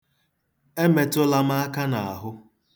Emetụla m aka n'ahụ.